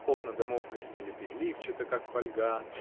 окна домов блестели переливчато, как фольга